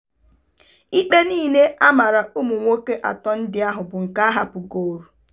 Ịkpe niile a maara ụmụ nwoke atọ ndị ahụ bụ nke a hapụgoru.